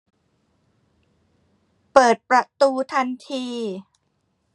เปิดประตูทันที